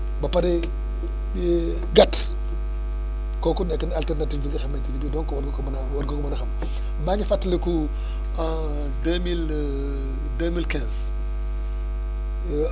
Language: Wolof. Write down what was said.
ba pare gàtt kooku nekk na alternative bi nga xamante ni bii donc war nga ko mën a war nga ko mën a xam maa ngi fàttaliku en deux mille deux mille quinze